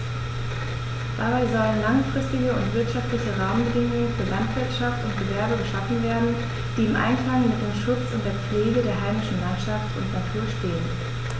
Dabei sollen langfristige und wirtschaftliche Rahmenbedingungen für Landwirtschaft und Gewerbe geschaffen werden, die im Einklang mit dem Schutz und der Pflege der heimischen Landschaft und Natur stehen.